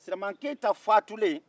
siraman keyita faatulen